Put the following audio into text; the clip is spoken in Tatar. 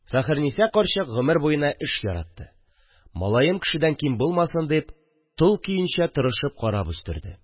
Фәхерниса карчык гомер буена эш яратты, малаем кешедән ким булмасын дип тол көенчә тырышып карап үстерде